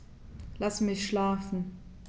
Lass mich schlafen